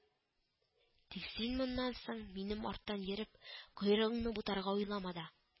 Тик син моннан соң, минем арттан йөреп, койрыгыңны бутарга уйлама да